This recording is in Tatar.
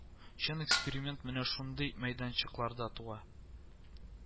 Чын эксперимент менә шундый мәйданчыкларда туа